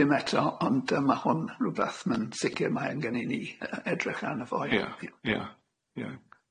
Ddim eto ond yy ma' hwn rwbath ma'n sicir mae angen i ni yy edrych arno fo ia.